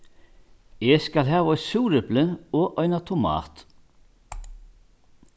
eg skal hava eitt súrepli og eina tomat